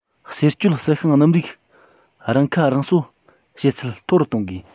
ཟས སྤྱོད རྩི ཤིང སྣུམ རིགས རང ཁ རང གསོ བྱེད ཚད མཐོ རུ གཏོང དགོས